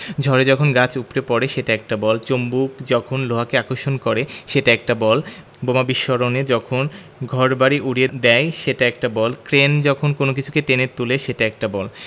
ঝড়ে যখন গাছ উপড়ে পড়ে সেটা একটা বল চুম্বক যখন লোহাকে আকর্ষণ করে সেটা একটা বল বোমা বিস্ফোরণে যখন ঘরবাড়ি উড়িয়ে দেয় সেটা একটা বল ক্রেন যখন কোনো কিছুকে টেনে তুলে সেটা একটা বল